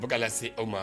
Bagala se aw ma